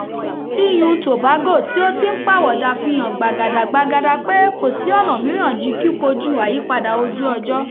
Iyùn Tobago tí ó ti ń pàwọ̀dà fi hàn gbàgàdàgbagada pé kò sí ọ̀nà mìíràn ju kíkojú àyípadà ojú-ọjọ́